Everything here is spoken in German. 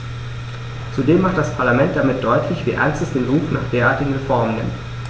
Zudem macht das Parlament damit deutlich, wie ernst es den Ruf nach derartigen Reformen nimmt.